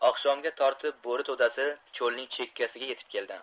oqshomga tortib bo'ri to'dasi cho'lning chekkasiga yetib keldi